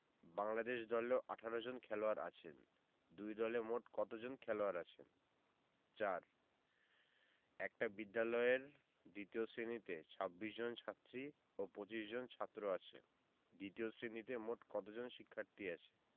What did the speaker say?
বাংলাদেশ দলেও ১৮ জন খেলোয়াড় আছেন দুই দলে মোট কতজন খেলোয়াড় আছেন ৪ একটা বিদ্যালয়ের দ্বিতীয় শ্রেণিতে ২৬ জন ছাত্রী ও ২৫ জন ছাত্র আছে দ্বিতীয় শ্রেণিতে মোট কত জন শিক্ষার্থী আছে